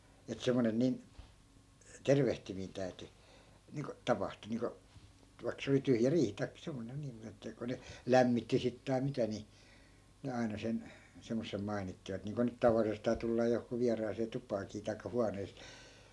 että semmoinen niin tervehtiminen täytyi niin kuin tapahtua niin kuin vaikka se oli tyhjä riihi tai semmoinen niin mutta että kun ne lämmitti sitten tai mitä niin ne aina sen semmoisen mainitsivat niin kuin nyt tavallisestaan tullaan johonkin vieraaseen tupaankin tai huoneeseen